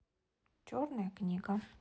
черная книга